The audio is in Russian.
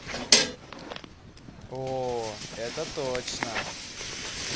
о это точно